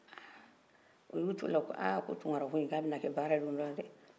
u y' u to o la ko tunkara ko in ko a bɛna kɛ baara ye don dɔla dɛɛ